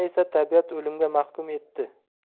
esa tabiat o'limga mahkum etdi